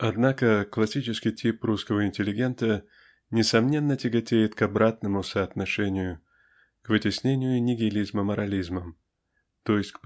Однако классический тип русского интеллигента несомненно тяготеет к обратному соотношению -- к вытеснению нигилизма морализмом т. е.